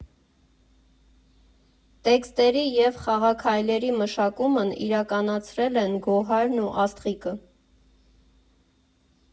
Տեքստերի և խաղաքայլերի մշակումն իրականացրել են Գոհարն ու Աստղիկը։